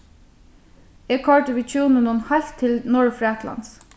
eg koyrdi við hjúnunum heilt til norðurfraklands